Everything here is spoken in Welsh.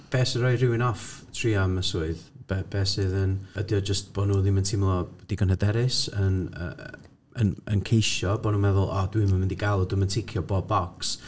Be sy'n rhoi rhywun off trio am y swydd? Be- be sydd yn... ydy o jyst bo' nhw ddim yn teimlo digon hyderus, yn yy yn yn ceisio? Bo' nhw'n meddwl "O, dwi'm yn mynd i gael o. Dwi'm yn ticio bob bocs."